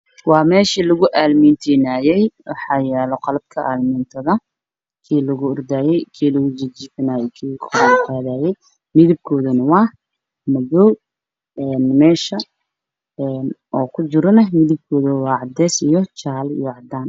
Waa meesha laku armetenaye wxaa yaalo qalabka aalmitada midibkosa waa madow meshaa